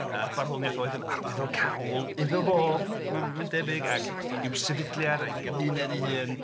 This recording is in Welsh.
Yy barddoniaeth oedd yn arwyddocaol iddo fo, mae'n debyg ac i'w sefydliad a'i gymuned'i hun.